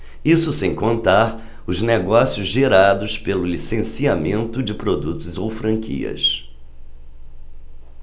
isso sem contar os negócios gerados pelo licenciamento de produtos ou franquias